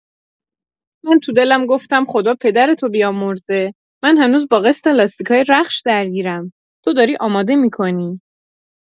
من تو دلم گفتم خدا پدرتو بیامرزه، من هنوز با قسط لاستیکای رخش درگیرم، توداری آماده می‌کنی.